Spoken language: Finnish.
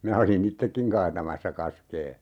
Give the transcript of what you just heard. minä olin itsekin kaatamassa kaskea